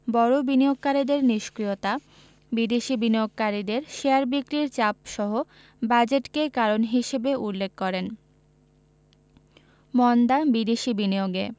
বড় বিনিয়োগকারীদের নিষ্ক্রিয়তা বিদেশি বিনিয়োগকারীদের শেয়ার বিক্রির চাপসহ বাজেটকে কারণ হিসেবে উল্লেখ করেন মন্দা বিদেশি বিনিয়োগে